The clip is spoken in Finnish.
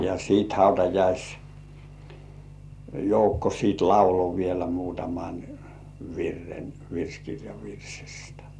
ja sitten - hautajaisjoukko sitten lauloi vielä muutaman virren virsikirjan virsistä